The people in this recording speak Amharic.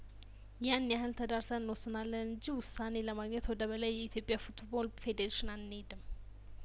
ያን ያህል ተዳርሰን እንወስናለን እንጂ ውሳኔ ለማግኘት ወደ በላዩ የኢትዮጵያ ፉትቦል ፌዴሬሽን አንሄድም